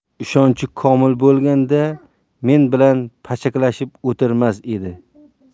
ishonchi komil bo'lganda men bilan pachakilashib o'tirmas edi